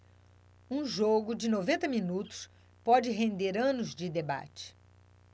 um jogo de noventa minutos pode render anos de debate